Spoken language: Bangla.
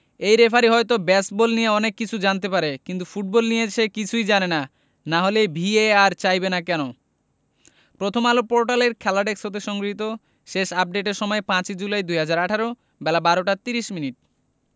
এই রেফারি হয়তো বেসবল নিয়ে অনেক কিছু জানতে পারে কিন্তু ফুটবল নিয়ে সে কিছুই জানে না না হলে ভিএআর চাইবে না কেন প্রথমআলো পোর্টালের খেলা ডেস্ক হতে সংগৃহীত শেষ আপডেটের সময় ৫ জুলাই ২০১৮ বেলা ১২টা ৩০মিনিট